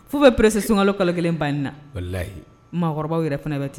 F'u be presser suŋalo kalo 1 banni na walahi maakɔrɔbaw yɛrɛ fɛnɛ bɛ ten